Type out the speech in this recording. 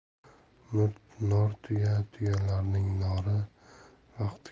nortuya tuyalarning nori vaqti